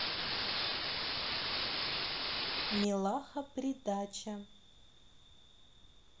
милаха придача